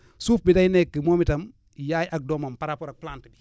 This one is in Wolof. suuf bi day day nekk moom i tam yaay ak doomam par rapport ak plante